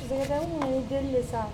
Jigi mun deli de sa